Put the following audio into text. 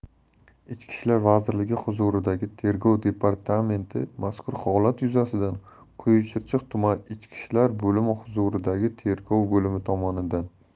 ichki ishlar vazirligi huzuridagi tergov departamentimazkur holat yuzasidan quyi chirchiq tumani ichki ishlar boimi huzuridagi tergov bo'limi tomonidan